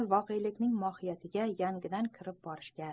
voqealikning mohiyatiga yangidan kirib borishga